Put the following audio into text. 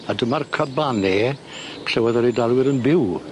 A dyma'r cabane lle woedd yr Eidalwyr yn byw.